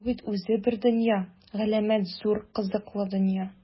Бу бит үзе бер дөнья - галәмәт зур, кызыклы дөнья!